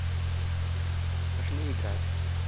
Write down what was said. пошли играть